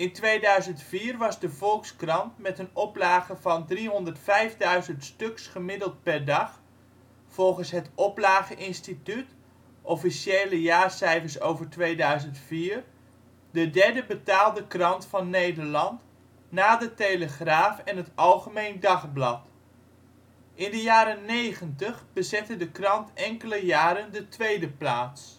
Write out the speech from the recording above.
2004 was de Volkskrant met een oplage van 305.000 stuks gemiddeld per dag (volgens Het Oplage Instituut, officiële jaarcijfers over 2004) de derde betaalde krant van Nederland, na de De Telegraaf en het Algemeen Dagblad. In de jaren negentig bezette de krant enkele jaren de tweede plaats